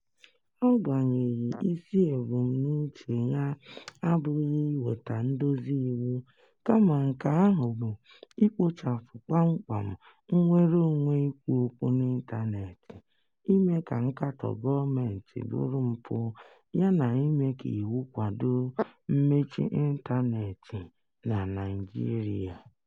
Agbanyeghị, isi ebumnuche ya abụghị iweta ndozi iwu, kama nke ahụ bụ, ikpochapụ kpamkpam nnwere onwe ikwu okwu n'ịntaneetị, ime ka nkatọ gọọmentị bụrụ mpụ yana ime ka iwu kwado mmechi ịntaneetị na Naịjirịa.